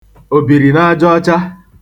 òbìrìnajaọcha